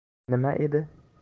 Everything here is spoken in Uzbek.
nima edi